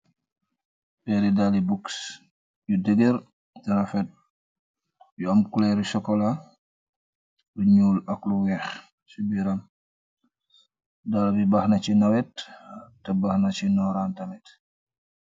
Naari daala buds u deger teh refet yu aam coluri chocola lu nuul ak lu week si biram dalayi bakh na si nawet teh bakh na si noran tamit.